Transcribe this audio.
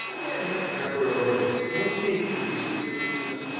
— У меня нет никакой роли: вот мне и приписывают какую-то.